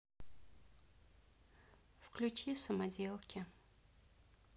включи самоделки